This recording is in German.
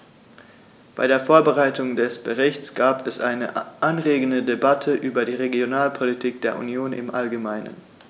Bei der Vorbereitung des Berichts gab es eine anregende Debatte über die Regionalpolitik der Union im allgemeinen.